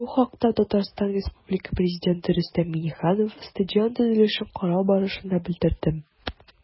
Бу хакта ТР Пррезиденты Рөстәм Миңнеханов стадион төзелешен карау барышында белдерде.